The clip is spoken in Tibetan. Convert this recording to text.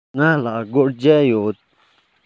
ང ལ སྒོར བརྒྱ ཡོད